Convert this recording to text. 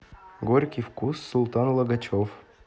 горький вкус султан логачев